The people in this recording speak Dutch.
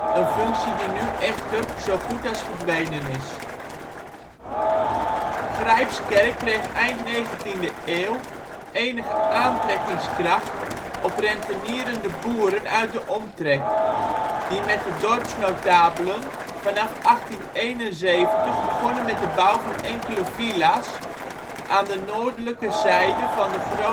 een functie die nu echter zo goed als verdwenen is. Grijpskerk kreeg eind 19e eeuw enige aantrekkingskracht op rentenierende boeren uit de omtrek, die met de dorpsnotabelen vanaf 1871 begonnen met de bouw van enkele villa 's aan de noordelijke zijde van de Groningerstraatweg